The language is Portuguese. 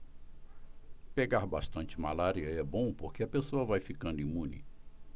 pegar bastante malária é bom porque a pessoa vai ficando imune